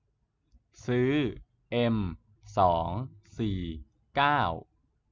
ซื้อเอ็มสองสี่เก้า